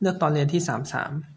เลือกตอนเรียนที่สามสาม